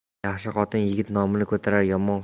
yaxshi xotin yigit nomin ko'tarar